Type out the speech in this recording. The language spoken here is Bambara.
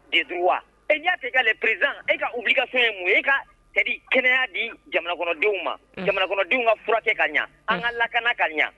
Dedu wa e y'a tɛ ka presiz e ka ka fɛn mun e ka ka di kɛnɛyaya di jamana kɔnɔdenw ma jamanakɔnɔdenw ka furakɛ kɛ kaɲa an ka lakana ka ɲɛ